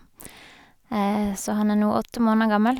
Så han er nå åtte måneder gammel.